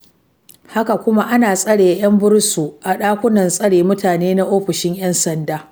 Haka kuma ana tsare yan bursu a dakunan tsare mutane na ofishin yan sanda.